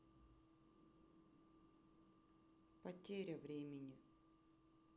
потеря времени